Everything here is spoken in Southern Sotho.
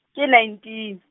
ke nineteen.